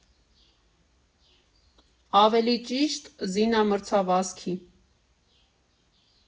Ավելի ճիշտ՝ զինամրցավազքի։